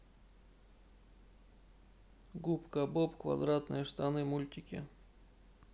губка боб квадратные штаны мультики